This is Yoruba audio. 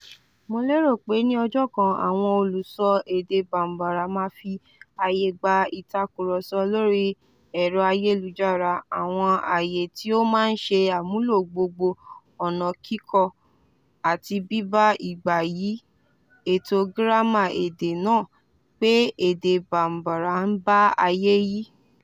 Mo lérò pé ní ọjọ́ kan, àwọn olùsọ èdè Bambara máa fi ààyè gba ìtakùrọsọ lórí ẹ̀rọ ayélujára, àwọn ààyè tí ó máa ń ṣe àmúlò gbogbo ọ̀nà kíkọ àti bíbá ìgbà yí ètò gírámà èdè náà, pé èdè Bambara ń bá ayé yí